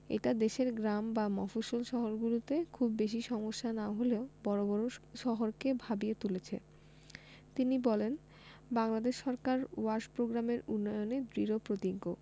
এটা দেশের গ্রাম বা মফস্বল শহরগুলোতে খুব বেশি সমস্যা না হলেও বড় বড় শহরকে ভাবিয়ে তুলেছে তিনি বলেন বাংলাদেশ সরকার ওয়াশ প্রোগ্রামের উন্নয়নে দৃঢ়প্রতিজ্ঞ